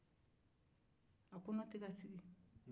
a kɔnɔ teka sigi